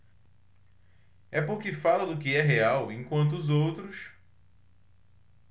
é porque falo do que é real enquanto os outros